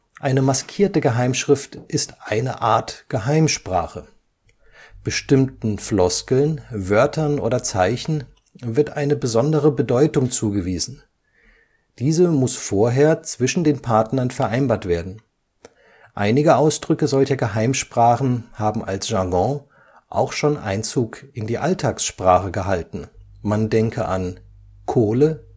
Eine maskierte Geheimschrift ist eine Art Geheimsprache. Bestimmten Floskeln, Wörtern oder Zeichen wird eine besondere Bedeutung zugewiesen, diese muss vorher zwischen den Partnern vereinbart werden. Einige Ausdrücke solcher Geheimsprachen haben als Jargon auch schon Einzug in die Alltagssprache gehalten, man denke an: „ Kohle